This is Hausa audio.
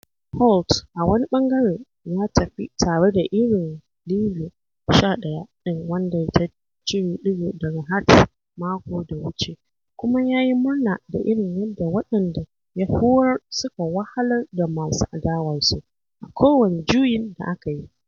Holt, a wani ɓangaren, ya tafi tare da irin Livi 11 ɗin wanda ta cire ɗigo daga Hearts mako da wuce kuma da ya yi murna da irin yadda waɗanda ya horar suka wahalar da masu adawarsu a kowane juyin da aka yi.